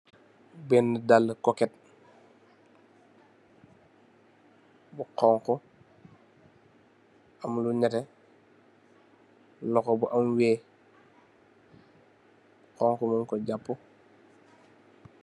been dale koket bu xongo am lo nete loho bi am weeh xongo muko jappo.